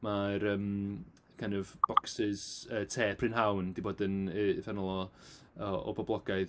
Ma'r yym kind of bocsys yy te prynhawn 'di bod yy yn uffernol o o boblogaidd.